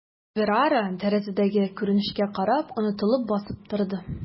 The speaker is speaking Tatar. Берара, тәрәзәдәге күренешкә карап, онытылып басып торды.